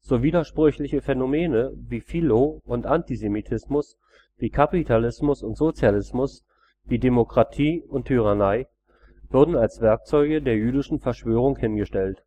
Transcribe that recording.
so widersprüchliche Phänomene wie Philo - und Antisemitismus, wie Kapitalismus und Sozialismus, wie Demokratie und Tyrannei würden als Werkzeuge der jüdischen Verschwörung hingestellt,